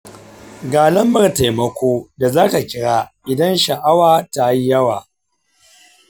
ga lambar taimako da zaka kira idan sha’awa ta yi yawa.